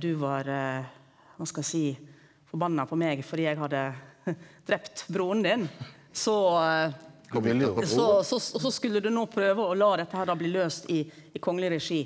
du var kva skal eg seie forbanna på meg fordi eg hadde drepe broren din, så så så og så skulle du no prøve å la dette her da bli løyst i i kongeleg regi.